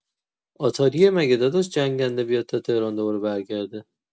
آتاریه مگه داداش جنگنده بیاد تا تهران دوباره برگرده